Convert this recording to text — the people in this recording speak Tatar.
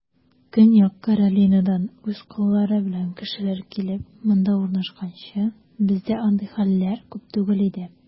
Көньяк Каролинадан үз коллары белән кешеләр килеп, монда урнашканчы, бездә андый хәлләр күп түгел иде.